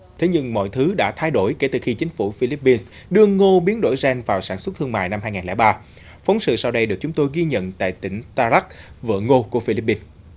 thế nhưng mọi thứ đã thay đổi kể từ khi chính phủ phi líp pin đưa ngô biến đổi gen vào sản xuất thương mại năm hai nghìn lẻ ba phóng sự sau đây được chúng tôi ghi nhận tại tỉnh ta rắc vựa ngô của phi líp pin